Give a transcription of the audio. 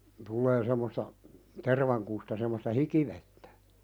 tulee semmoista tervankusta semmoista hikivettä